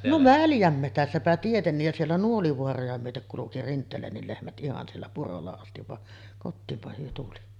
no väljänmetsässäpä tietenkin ja siellä Nuolivaaroja myöten kulki Rinteelänkin lehmät ihan siellä purolla asti vaan kotiin he tuli